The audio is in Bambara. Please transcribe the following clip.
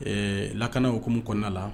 Ee lakana ookmumu kɔnɔna la